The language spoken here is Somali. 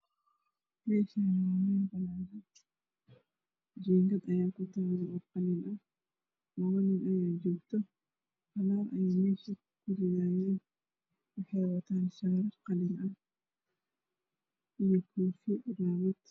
Meshani waa meel banaan ah jingad ayaa ku tala oo qalin ah laba nin ayaa joogto nal ayeey mesha ku ridayan wexey wataan sharar qalin ah iyo kofi cimamad